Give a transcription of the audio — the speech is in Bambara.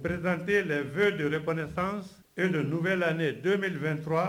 Bereeredtee 2 dep san e donun bɛ lanen don bɛ 2tura